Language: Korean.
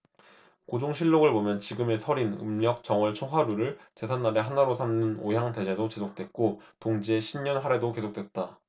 고종실록 을 보면 지금의 설인 음력 정월초하루를 제삿날의 하나로 삼는 오향대제도 지속됐고 동지의 신년하례도 계속됐다